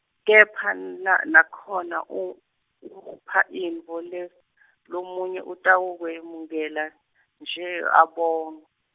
kepha n- nakhona u- umupha intfo le- lomunye utawukwemukela nje abong-.